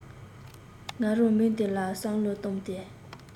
ང རང མིང འདི ལ བསམ བློ བཏང སྟེ